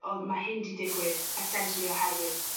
o'dd ma' hyn 'di digwydd essentially oherwydd